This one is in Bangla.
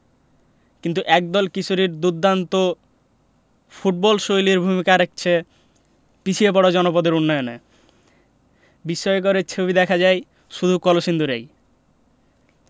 কিন্তু একদল কিশোরীর দুর্দান্ত ফুটবলশৈলী ভূমিকা রাখছে পিছিয়ে পড়া জনপদের উন্নয়নে বিস্ময়কর এই ছবি দেখা যায় শুধু কলসিন্দুরে